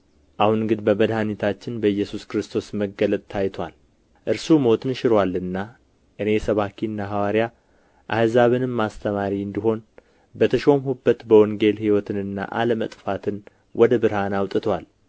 አሁን ግን በመድኃኒታችን በኢየሱስ ክርስቶስ መገለጥ ታይቶአል እርሱ ሞትን ሽሮአልና እኔ ሰባኪና ሐዋርያ አሕዛብንም አስተማሪ እንድሆን በተሾምሁበት በወንጌል ሕይወትንና አለመጥፋትን ወደ ብርሃን አውጥቶአል